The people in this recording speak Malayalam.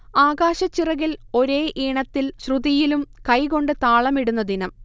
ആകാശച്ചിറകിൽ ഒരേ ഈണത്തിൽ ശ്രുതിയിലും കൈകൊണ്ട് താളമിടുന്ന ദിനം